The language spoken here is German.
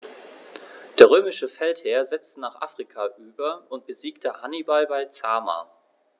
Der römische Feldherr setzte nach Afrika über und besiegte Hannibal bei Zama.